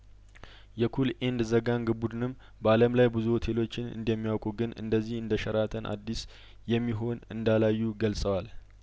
የኩል ኢንድ ዘጋንግ ቡድንም በአለም ላይ ብዙ ሆቴሎችን እንደሚያውቁ ግን እንደዚህ እንደሸራተን አዲስ የሚሆን እንዳላዩ ገልጸዋል